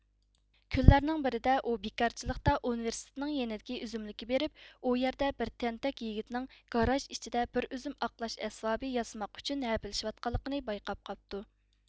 كۈنلەرنىڭ بىرىدە ئۇ بىكارچىلىقتا ئۇنىۋېرسىتېتىنىڭ يېنىدىكى ئۈزۈملۈككە بېرىپ ئۇ يەردە بىر تەنتەك يىگىتنىڭ گاراژ ئىچىدە بىر ئۈزۈم ئاقلاش ئەسۋابى ياسىماق ئۈچۈن ھەپىلىشىۋاتقانلىقىنى بايقاپ قاپتۇ